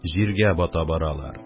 Җиргә бата баралар;